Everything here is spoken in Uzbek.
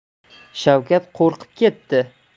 shavkat qo'rqib ketdi